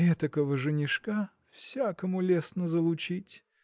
Этакого женишка всякому лестно залучить.